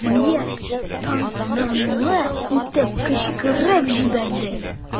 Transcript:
"мыек" тантаналы итеп кычкырып җибәрде.